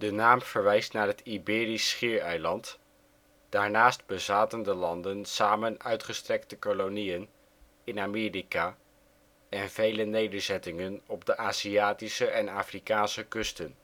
naam verwijst naar het Iberisch Schiereiland; daarnaast bezaten de landen samen uitgestrekte koloniën in Amerika en vele nederzettingen op de Aziatische en Afrikaanse kusten